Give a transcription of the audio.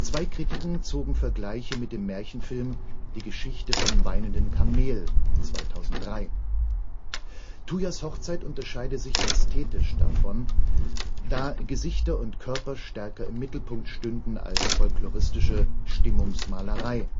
Zwei Kritiken zogen Vergleiche mit dem Märchenfilm Die Geschichte vom weinenden Kamel (2003). Tuyas Hochzeit unterscheide sich ästhetisch davon, da Gesichter und Körper stärker im Mittelpunkt stünden als folkloristische „ Stimmungsmalerei